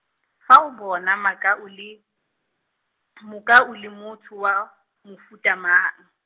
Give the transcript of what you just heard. fa o bona Makau le, Mokau le motho wa, mofuta mang?